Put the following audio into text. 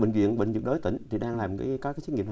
bệnh viện bệnh nhiệt đới tỉnh thì đang làm cái các xét nghiệm